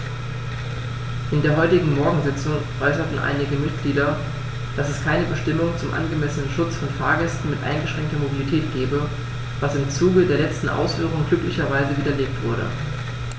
In der heutigen Morgensitzung äußerten einige Mitglieder, dass es keine Bestimmung zum angemessenen Schutz von Fahrgästen mit eingeschränkter Mobilität gebe, was im Zuge der letzten Ausführungen glücklicherweise widerlegt wurde.